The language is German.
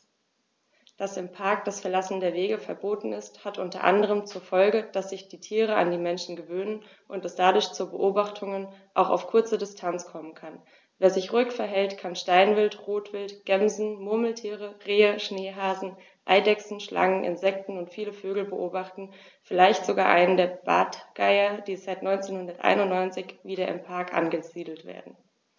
Dass im Park das Verlassen der Wege verboten ist, hat unter anderem zur Folge, dass sich die Tiere an die Menschen gewöhnen und es dadurch zu Beobachtungen auch auf kurze Distanz kommen kann. Wer sich ruhig verhält, kann Steinwild, Rotwild, Gämsen, Murmeltiere, Rehe, Schneehasen, Eidechsen, Schlangen, Insekten und viele Vögel beobachten, vielleicht sogar einen der Bartgeier, die seit 1991 wieder im Park angesiedelt werden.